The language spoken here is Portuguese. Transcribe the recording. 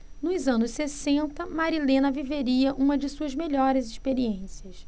nos anos sessenta marilena viveria uma de suas melhores experiências